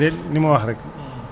mooy comme que àgg a guñ fa